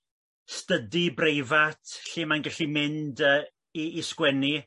stydi breifat lle mae'n gallu mynd yy i i 'sgwennu